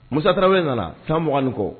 Mu tarawele nana tan muganin kɔ